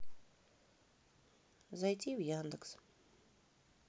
зайти в яндекс